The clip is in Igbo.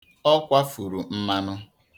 Ọ kwāfùrù mmanụ.